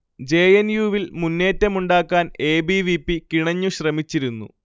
J. N. U. വിൽ മുന്നേറ്റമുണ്ടാക്കാൻ A. B. V. P കിണഞ്ഞ് ശ്രമിച്ചിരുന്നു